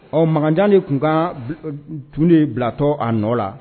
Ɔ makanjan de tun ka tun ni bilatɔ a nɔ la